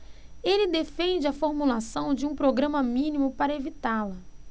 ele defende a formulação de um programa mínimo para evitá-la